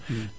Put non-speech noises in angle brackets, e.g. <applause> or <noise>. <hesitation>